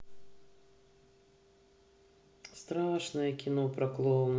страшное кино про клоунов